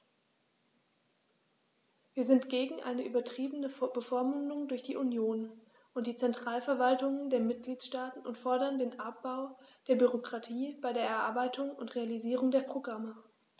Wir sind gegen eine übertriebene Bevormundung durch die Union und die Zentralverwaltungen der Mitgliedstaaten und fordern den Abbau der Bürokratie bei der Erarbeitung und Realisierung der Programme.